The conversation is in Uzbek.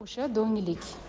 o'sha do'nglik